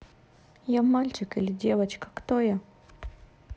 я мальчик или девочка кто я